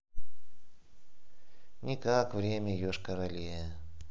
никак время йошкар оле